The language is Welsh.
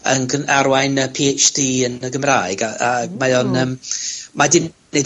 ...yn gyn- arwain y Pee haitch Dee yn y Gymraeg a a mae o'n yym, ma' dim